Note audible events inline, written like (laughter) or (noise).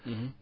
(hesitation) (hesitation)